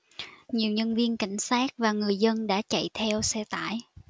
nhiều nhân viên cảnh sát và người dân đã chạy theo xe tải